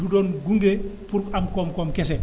du doon gunge pour am koom-koom kese